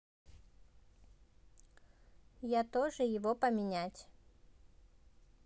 я тоже его поменять